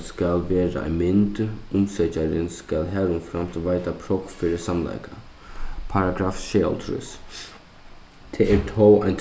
skal vera ein mynd umsøkjarin skal harumframt veita prógv fyri samleika paragraff sjeyoghálvtrýss tað er tó ein